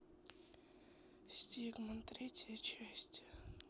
стигман третья часть